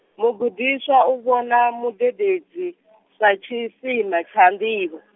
mugudiswa u vhona mudededzi, sa tshisima tsha nḓivho.